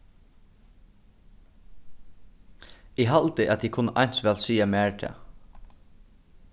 eg haldi at tit kunnu eins væl siga mær tað